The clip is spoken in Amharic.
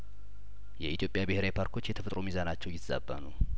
የኢትዮጵያ ብሄራዊ ፓርኮች የተፈጥሮ ሚዛናቸው እየተዛባ ነው